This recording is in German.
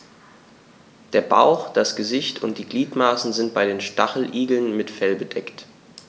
Der Bauch, das Gesicht und die Gliedmaßen sind bei den Stacheligeln mit Fell bedeckt.